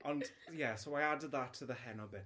Ond, ie, so I added that to the Heno bit.